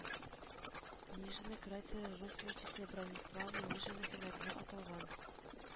Нижина кратеры рус биючесе Бронислава Нижина хөрмәтенә аталган